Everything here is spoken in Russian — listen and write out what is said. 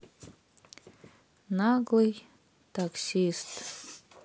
наглый таксист